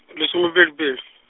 lesomepedi pe- .